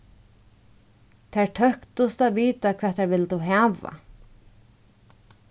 tær tóktust at vita hvat tær vildu hava